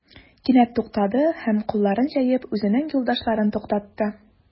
Кинәт туктады һәм, кулларын җәеп, үзенең юлдашларын туктатты.